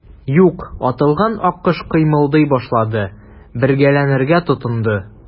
Юк, атылган аккош кыймылдый башлады, бәргәләнергә тотынды.